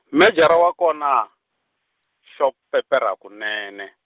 Mejara wa kona, xo peperha kunene.